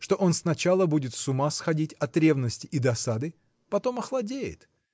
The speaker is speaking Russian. что он сначала будет с ума сходить от ревности и досады потом охладеет.